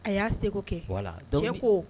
A y'a se kɛ ko